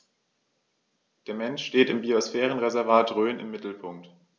Der Mensch steht im Biosphärenreservat Rhön im Mittelpunkt.